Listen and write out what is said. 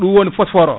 ɗum woni phosphore o